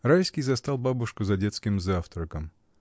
Райский застал бабушку за детским завтраком.